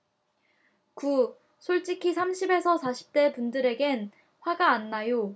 구 솔직히 삼십 에서 사십 대 분들에겐 화가 안 나요